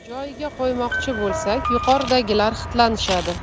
joyiga qo'ymoqchi bo'lsak yuqoridagilar xitlanishadi